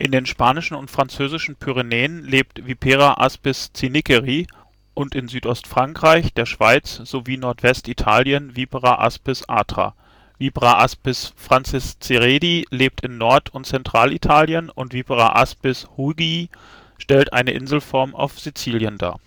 den spanischen und französischen Pyrenäen lebt Vipera aspis zinnikeri und in Südostfrankreich, der Schweiz sowie Nordwestitalien Vipera aspis atra. Vipera aspis francisciredi lebt in Nord - und Zentralitalien und Vipera aspis hugyi stellt eine Inselform auf Sizilien dar